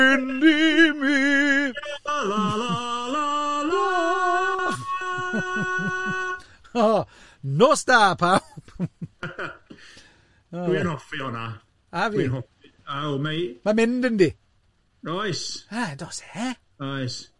La-la-la-la-la! Nos da pawb! Dwi'n hoffi honna. A Fi! Ew ma'... Ma'i'n mynd yndi? Oes. Does e? Oes.